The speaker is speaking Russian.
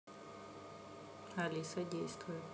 алиса действует